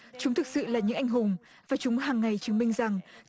chúng thực sự là những anh hùng và chúng hằng ngày chứng minh rằng